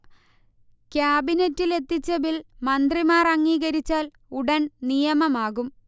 ക്യാബിനറ്റിൽ എത്തിച്ച ബിൽ മന്ത്രിമാർ അംഗീകരിച്ചാൽ ഉടൻ നിയമമാകും